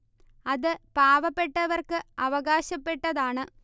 അത് പാവപ്പെട്ടവർക്ക് അവകാശപ്പെട്ടതാണ്